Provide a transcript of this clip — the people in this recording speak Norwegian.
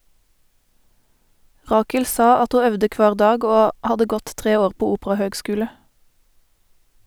Rakel sa at ho øvde kvar dag og hadde gått 3 år på operahøgskule.